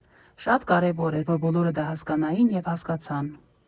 Շատ կարևոր էր, որ բոլորը դա հասկանային, և հասկացան։